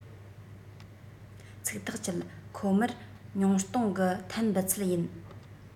ཚིག ཐག བཅད ཁོ མར ཉུང གཏོང གི ཐཱན འབུད ཚད ཡིན